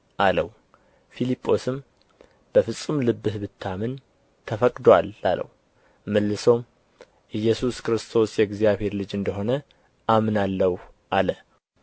አለው ፊልጶስም በፍጹም ልብህ ብታምን ተፈቅዶአል አለው መልሶም ኢየሱስ ክርስቶስ የእግዚአብሔር ልጅ እንደ ሆነ አምናለሁ አለ